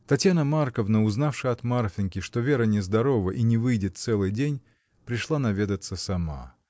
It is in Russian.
Татьяна Марковна, узнавши от Марфиньки, что Вера нездорова и не выйдет целый день, пришла наведаться сама.